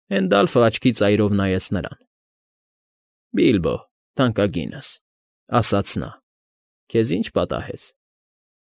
Հենդալֆը աչքի ծայրով նայեց նրան. ֊ Բիլբո, թանկագինս,֊ ասաց նա։֊ քեզ ի՞նչ պատահեց։